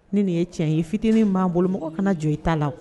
Ni nin ye tiɲɛ ye fitinin b'an bolo mɔgɔ kana jɔ i taa la